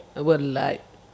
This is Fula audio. wallay